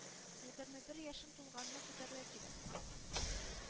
Егерме бер яшең тулганны көтәргә кирәк.